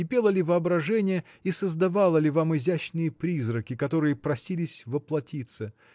кипело ли воображение и создавало ли вам изящные призраки которые просились воплотиться?